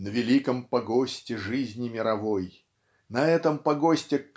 на великом погосте жизни мировой" на этом погосте